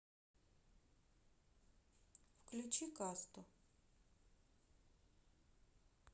включи касту